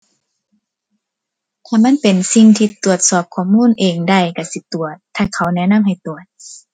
ถ้ามันเป็นสิ่งที่ตรวจสอบข้อมูลเองได้ก็สิตรวจ ถ้าเขาแนะนำให้ตรวจ